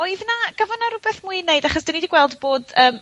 Oedd yna... Gafon 'na rwbeth mwy 'i neud, achos 'dyn ni 'di gweld bod ym...